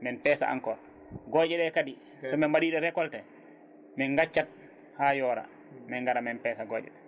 min peesa encore gooƴe ɗe kadi somin mbaɗiɗe récolté min gaccat ha yoora min gara min peesa gooƴe ɗe